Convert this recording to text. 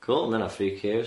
Cool ma' na freaky Iws?